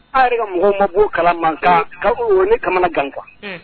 A ye mɔgɔ mabɔ kala mankan ka uu w ka kan kan